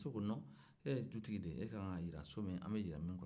muso ko non e ye dutigi de ye a de ka kan so jira an bɛ ɲɛ min kɔnɔ